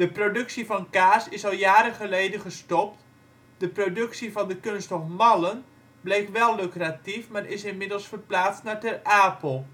productie van kaas is al jaren geleden gestopt, de productie van de kunststof mallen bleek wel lucratief, maar is inmiddels verplaatst naar Ter Apel